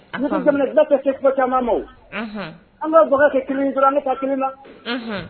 Ne daminɛ kɛ se caman ma an bɛ baga kɛ kelen dɔrɔn an ne ka kelen na